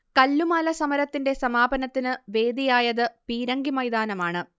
കല്ലുമാല സമരത്തിന്റെ സമാപനത്തിന് വേദിയായത് പീരങ്കി മൈതാനമാണ്